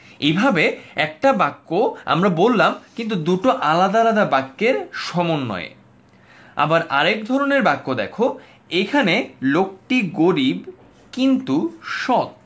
এভাবে একটা বাক্য আমরা বললাম দুটো আলাদা আলাদা বাক্যের সমন্বয়ে আবার আরেক ধরনের বাক্য দেখো এখানে লোকটি গরিব কিন্তু সৎ